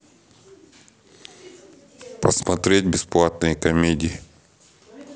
посмотреть бесплатные комедии